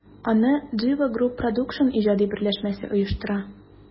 Аны JIVE Group Produсtion иҗади берләшмәсе оештыра.